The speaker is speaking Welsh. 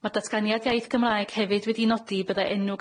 Ma'r datganiad iaith Gymraeg hefyd wedi nodi byddai enw